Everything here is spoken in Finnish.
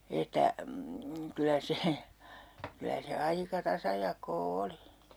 että kyllä se kyllä se aika tasajakoa oli